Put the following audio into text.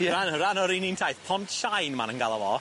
Ie. Ran o ran o'r un un taith Pont Shain ma' nw'n galw fo.